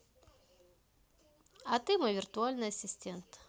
а ты мой виртуальный ассистент